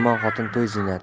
yomon xotin to'y ziynati